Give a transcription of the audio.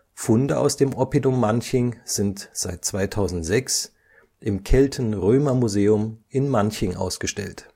Funde aus dem Oppidum Manching sind seit 2006 im Kelten-Römer-Museum in Manching ausgestellt